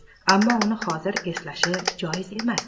ammo uni hozir eslashi joiz emas